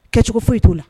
Kɛ cogo foyi t'o la